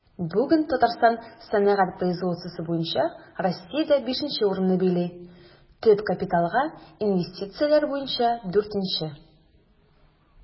Бүген Татарстан сәнәгать производствосы буенча Россиядә 5 нче урынны били, төп капиталга инвестицияләр буенча 4 нче.